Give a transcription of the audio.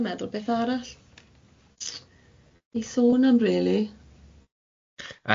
Trio meddwl beth arall i sôn am rili.